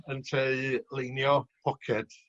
ynteu leinio poced